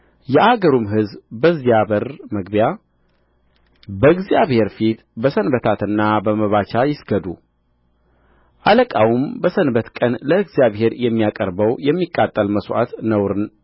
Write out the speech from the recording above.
የአገሩም ሕዝብ በዚያ በር መግቢያ በእግዚአብሔር ፊት በሰንበታትና በመባቻ ይስገዱ አለቃውም በሰንበት ቀን ለእግዚአብሔር የሚያቀርበው የሚቃጠል መሥዋዕት ነውር